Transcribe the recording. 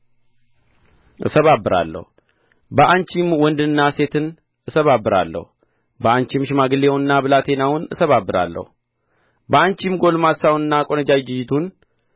እሰባብራለሁ በአንቺም ወንድንና ሴትን እሰባብራለሁ በአንቺም ሽማግሌውንና ብላቴናውን እሰባብራለሁ በአንቺም ጐልማሳውንና ቆንጆይቱን